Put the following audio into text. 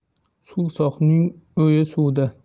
suvsoqning o'yi suvda